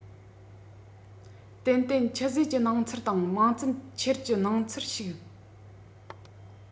ཏན ཏན ཆུད ཟོས ཀྱི སྣང ཚུལ དང མང ཙམ ཁྱེར ཀྱི སྣང ཚུལ ཞིག